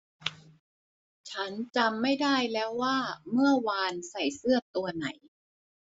ฉันจำไม่ได้แล้วว่าเมื่อวานใส่เสื้อตัวไหน